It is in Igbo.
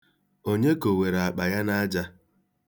Onye kowere akpa ya n'aja.